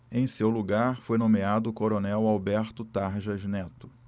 em seu lugar foi nomeado o coronel alberto tarjas neto